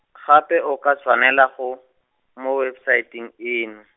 gape o ka tswa nela go, mo website -ing eno.